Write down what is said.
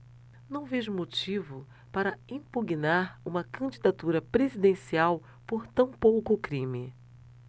não vejo motivo para impugnar uma candidatura presidencial por tão pouco crime